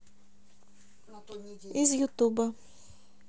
из ютуба